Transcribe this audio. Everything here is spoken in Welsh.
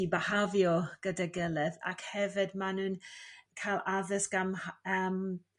i byhafio gyda'i gilydd ac hefyd ma' n'w'n ca'l addysg gan am